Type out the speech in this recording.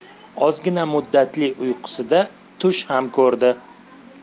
ozgina muddatli uyqusida tush ham ko'rdi